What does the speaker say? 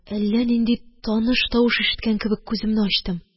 Әллә нинди таныш тавыш ишеткән кебек күземне ачтым.